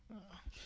waaw